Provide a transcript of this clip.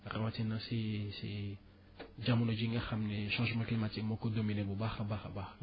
rawatina si si jamono ji nga xam ni changement climatique moo ko dominer bu baax a baax a baax